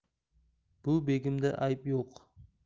bu begimda ayb yo'q